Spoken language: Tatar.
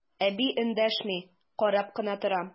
Әби эндәшми, карап кына тора.